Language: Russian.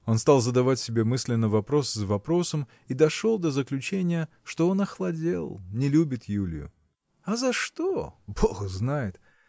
Он стал задавать себе мысленно вопрос за вопросом и дошел до заключения что он охладел не любит Юлию. А за что? Бог знает!